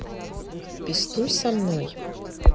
пистуй со мной